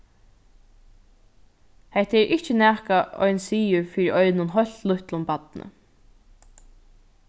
hetta er ikki nakað ein sigur fyri einum heilt lítlum barni